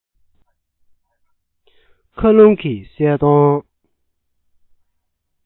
མཁའ རླུང གི གསལ སྟོང